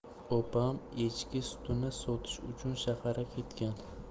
opam echki sutini sotish uchun shaharga ketgan